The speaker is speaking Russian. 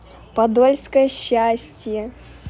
подольское счастье